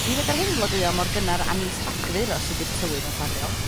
Mi fedar rhein flodeuo mor gynnar a mis Rhagfyr os ydi'r tywydd yn ffafriol.